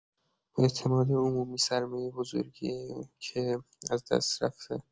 اعتماد عمومی سرمایه بزرگیه که از دست رفته.